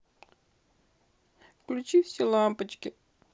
выключи все лампочки